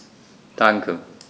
Danke.